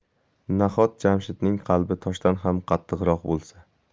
nahot jamshidning qalbi toshdan ham qattiqroq bo'lsa